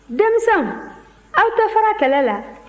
denmisɛnw aw tɛ fara kɛlɛ la